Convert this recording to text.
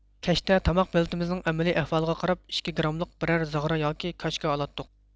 كەچتە تاماق بېلىتىمىزنىڭ ئەمەلىي ئەھۋالىغا قاراپ ئىككى گراملىق بىرەر زاغرا ياكى كاكچا ئالاتتۇق